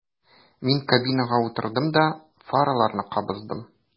Мин кабинага утырдым да фараларны кабыздым.